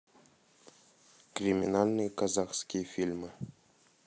криминальные казахские фильмы